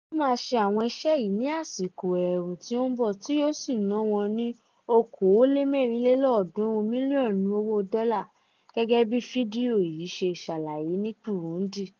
Wọ́n máa ṣe àwọn iṣẹ́ yìí ní àsìkò ẹ̀ẹ̀rùn tí ó ń bọ̀ tí yóò sì ná wọn ní USD 324 mílíọ̀nù, gẹ́gẹ́ bí fídíò yìí ṣe ṣàlàyé ní Kirundi.